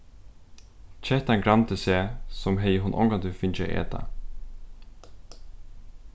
kettan gramdi seg sum hevði hon ongantíð fingið at eta